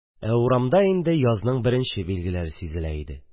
Ә урамда инде язның беренче билгеләре сизелә иде.